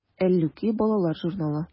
“әллүки” балалар журналы.